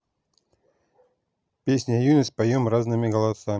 песни юность поем разными голосами